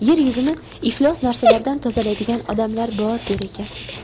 yer yuzini iflos narsalardan tozalaydigan odamlar bor der ekan